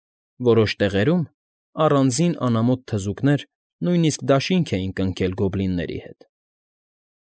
Որոշ տեղերում առանձին անամոթ թզուկներ նույնիսկ դաշինք էին կնքել գոբլինների հետ։